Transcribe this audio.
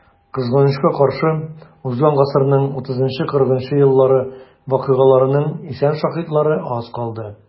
Кызганычка каршы, узган гасырның 30-40 еллары вакыйгаларының исән шаһитлары аз калды.